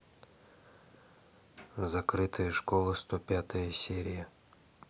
закрытая школа сто пятая серия